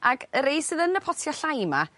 ag y rei sydd yn y potia' llai 'ma